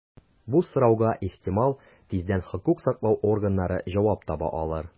Бу сорауга, ихтимал, тиздән хокук саклау органнары җавап таба алыр.